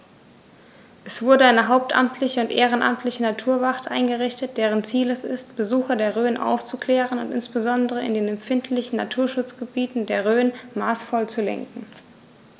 Es wurde eine hauptamtliche und ehrenamtliche Naturwacht eingerichtet, deren Ziel es ist, Besucher der Rhön aufzuklären und insbesondere in den empfindlichen Naturschutzgebieten der Rhön maßvoll zu lenken.